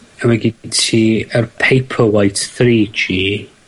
A mae gin ti yr Paperwhite three gee.